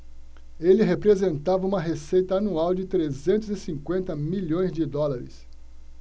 ele representava uma receita anual de trezentos e cinquenta milhões de dólares